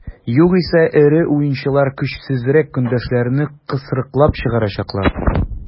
Югыйсә эре уенчылар көчсезрәк көндәшләрне кысрыклап чыгарачаклар.